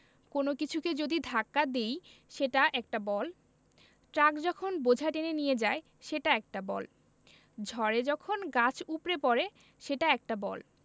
কোনো কিছুকে যদি ধাক্কা দিই সেটা একটা বল ট্রাক যখন বোঝা টেনে নিয়ে যায় সেটা একটা বল ঝড়ে যখন গাছ উপড়ে পড়ে সেটা একটা বল